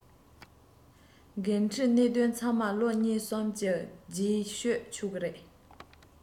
འགན འཁྲིའི གནད དོན ཚང མ ལོ གཉིས གསུམ གྱི རྗེས ཤོད ཆོག གི རེད